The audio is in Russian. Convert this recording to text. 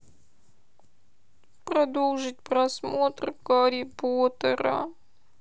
продолжить просмотр гарри поттера